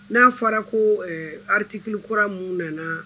N'a fɔra koo ɛɛ article kura mun nana